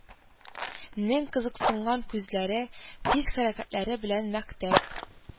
Нең кызыксынган күзләре, тиз хәрәкәтләре белән мәктәп